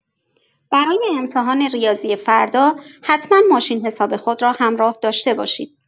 برای امتحان ریاضی فردا، حتما ماشین‌حساب خود را همراه داشته باشید.